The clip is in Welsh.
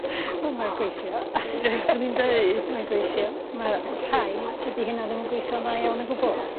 Wel mae'n gweithio. Swn i'n deud. Mae'n gweithio. Mae rhai tydi hynna ddim yn gweithio dda iawn o gwbwl.